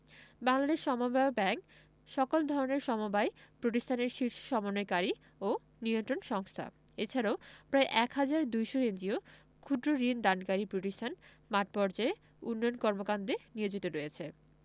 বাংলাদেশ সমবায় ব্যাংক সকল ধরনের সমবায় প্রতিষ্ঠানের শীর্ষ সমন্বয়কারী ও নিয়ন্ত্রণ সংস্থা এছাড়াও প্রায় ১ হাজার ২০০ এনজিও ক্ষুদ্র্ ঋণ দানকারী প্রতিষ্ঠান মাঠপর্যায়ে উন্নয়ন কর্মকান্ডে নিয়োজিত রয়েছে